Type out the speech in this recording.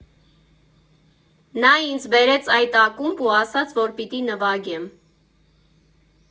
Նա ինձ բերեց այդ ակումբ ու ասաց, որ պիտի նվագեմ։